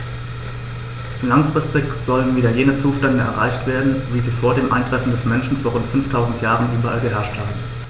Langfristig sollen wieder jene Zustände erreicht werden, wie sie vor dem Eintreffen des Menschen vor rund 5000 Jahren überall geherrscht haben.